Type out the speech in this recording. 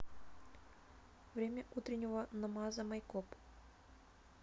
время утреннего намаза майкоп